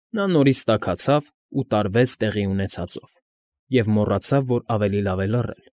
Նա նորից տաքացավ ու տարվեց տեղի ունեցածով և մոռացավ, որ ավելի լավ է լռել։